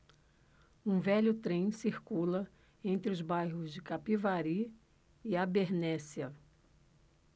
um velho trem circula entre os bairros de capivari e abernéssia